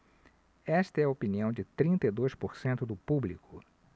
esta é a opinião de trinta e dois por cento do público